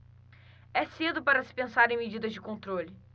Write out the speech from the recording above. é cedo para se pensar em medidas de controle